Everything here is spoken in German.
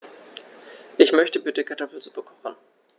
Ich möchte bitte Kartoffelsuppe kochen.